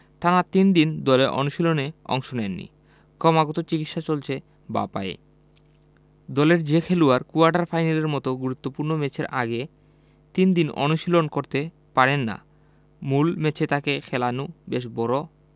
টানা তিন দিন দলের অনুশীলনে অংশ নেননি কমাগত চিকিৎসা চলছে বাঁ পায়ে দলের যে খেলোয়াড় কোয়ার্টার ফাইনালের মতো গুরুত্বপূর্ণ ম্যাচের আগে তিন দিন অনুশীলন করতে পারেন না মূল ম্যাচে তাঁকে খেলানোটা বেশ বড়